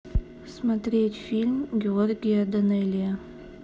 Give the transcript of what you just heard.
смотреть фильмы георгия данелия